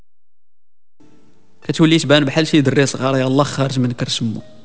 محل في باريس غاليري الخرج